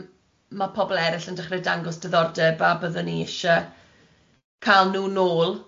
ma' pobl erill yn dechre dangos diddordeb a bydden ni isie cal nhw nôl.